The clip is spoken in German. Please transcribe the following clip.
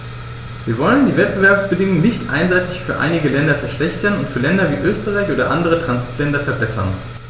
Wir wollen die Wettbewerbsbedingungen nicht einseitig für einige Länder verschlechtern und für Länder wie Österreich oder andere Transitländer verbessern.